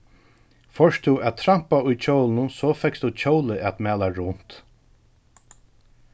fórt tú at trampa í hjólinum so fekst tú hjólið at mala runt